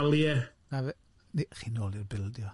Na fe- ni- chi nôl i'r bildio.